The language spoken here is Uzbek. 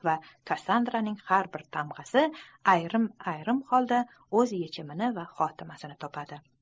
va kassandraning har bir tamg'asi ayrim ayrim holda o'z yechimini va xotimasini topadi